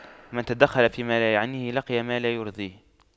من تَدَخَّلَ فيما لا يعنيه لقي ما لا يرضيه